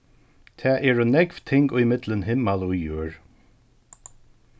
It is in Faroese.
tað eru nógv ting ímillum himmal og jørð